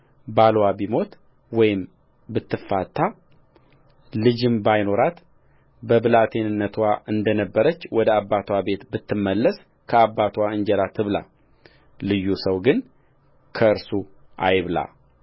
ባልዋ ቢሞት ወይም ብትፋታ ልጅም ባይኖራት በብላቴንነትዋ እንደ ነበረች ወደ አባትዋ ቤት ብትመለስ ከአባትዋ እንጀራ ትብላ ልዩ ሰው ግን ከእርሱ አይብላ